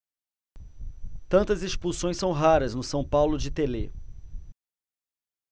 tantas expulsões são raras no são paulo de telê